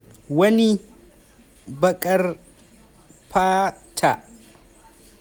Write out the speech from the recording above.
Wani baƙar fata?!